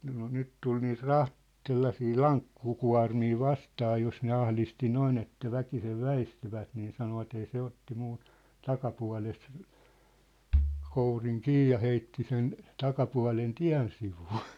no nyt tuli niitä - sellaisia lankkukuormia vastaan jos ne ahdisti noin että väkisin väistyvät niin sanoivat ei se otti muu takapuolesta kourin kiinni ja heitti sen takapuolen tien sivuun